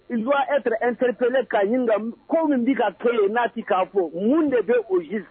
Il doit être interpellé ka ɲininka ko min bi ka kɛ yen na ti ka fɔ . Mun de be yen au juste